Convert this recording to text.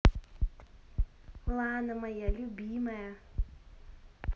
лана моя любимая